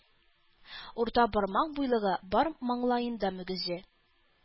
Урта бармак буйлыгы бар маңлаенда мөгезе.